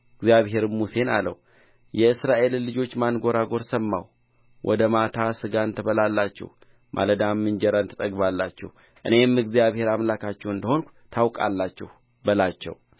እግዚአብሔርም ሙሴን አለው የእስራኤልን ልጆች ማንጐራጐር ሰማሁ ወደ ማታ ሥጋን ትበላላችሁ ማለዳም እንጀራን ትጠግባላችሁ እኔም እግዚአብሔር አምላካችሁ እንደ ሆንሁ ታውቃላችሁ በላቸው